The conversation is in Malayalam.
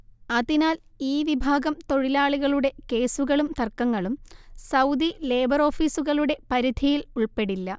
അതിനാൽ ഈ വിഭാഗം തൊഴിലാളികളുടെ കേസുകളും തർക്കങ്ങളും സൗദി ലേബർ ഓഫീസുകളുടെ പരിധിയിൽ ഉൾപ്പെടില്ല